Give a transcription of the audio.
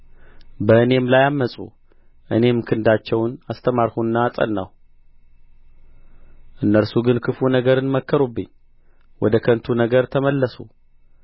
በእኔም ላይ ዐመፁ እኔም ክንዳቸውን አስተማርሁና አጸናሁ እነርሱ ግን ክፉ ነገርን መከሩብኝ ወደ ከንቱ ነገር ተመለሱ